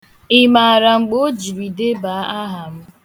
Ị maara mgbe o jiri deba aha m?